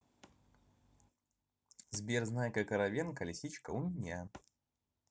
сбер знайка коровенка лисичка у меня